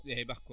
eeyi bakkoo